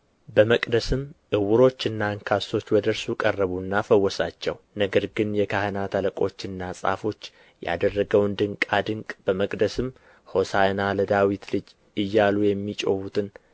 በመቅደስም ዕውሮችና አንካሶች ወደ እርሱ ቀረቡና ፈወሳቸው ነገር ግን የካህናት አለቆችና ጻፎች ያደረገውን ድንቃ ድንቅ በመቅደስም ሆሣዕና ለዳዊት ልጅ እያሉ የሚጮኹትን